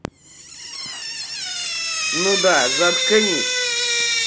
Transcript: ну да заткнись